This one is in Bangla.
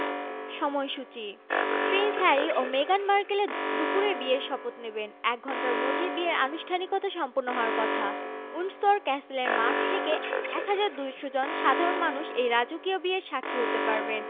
সময়সূচি প্রিন্স হ্যারি ও মেগান মার্কেল দুপুরে বিয়ের শপথ নেবেন এক ঘণ্টার মধ্যে বিয়ের আনুষ্ঠানিকতা সম্পন্ন হওয়ার কথা উইন্ডসর ক্যাসেলের মাঠ থেকে ১হাজার ২০০ জন সাধারণ মানুষ এই রাজকীয় বিয়ের সাক্ষী হতে পারবেন